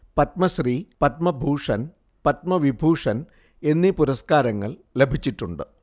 പത്മശ്രീ പത്മഭൂഷൺ പത്മ വിഭൂഷൺ എന്നീ പുരസ്കാരങ്ങൾ ലഭിച്ചിട്ടുണ്ട്